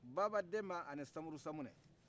baba dɛnba ani samuru samunɛ